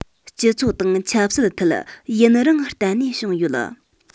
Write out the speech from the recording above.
སྤྱི ཚོགས དང ཆབ སྲིད ཐད ཡུན རིང བརྟན གནས བྱུང ཡོད